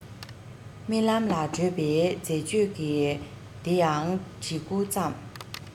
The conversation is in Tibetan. རྨི ལམ ལ བྲོད པའི མཛེས དཔྱོད དེ ཡང བྲི འགོ བརྩམས